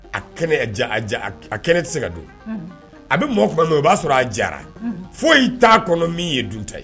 A kɛnɛ a a a kɛnɛ tɛ se ka don a bɛ mɔgɔ tuma i b'a sɔrɔ a jara fo' t'a kɔnɔ min ye dun ta ye